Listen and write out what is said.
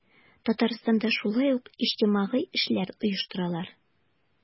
Татарстанда шулай ук иҗтимагый эшләр оештыралар.